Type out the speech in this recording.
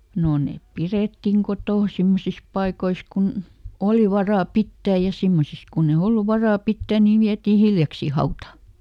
no ne pidettiin kotona semmoisissa paikoissa kun oli varaa pitää ja semmoisissa kun ei ollut varaa pitää niin vietiin hiljaksiin hautaan